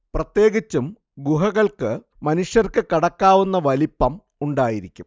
പ്രത്യേകിച്ചും ഗുഹകൾക്ക് മനുഷ്യർക്ക് കടക്കാവുന്ന വലിപ്പം ഉണ്ടായിരിക്കും